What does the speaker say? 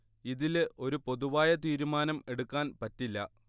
ഇതില് ഒരു പൊതുവായ തീരുമാനം എടുക്കാൻ പറ്റില്ല